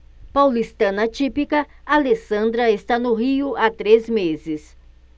paulistana típica alessandra está no rio há três meses